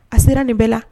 A sera nin bɛɛ la